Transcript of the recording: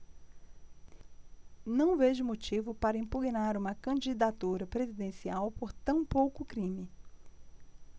não vejo motivo para impugnar uma candidatura presidencial por tão pouco crime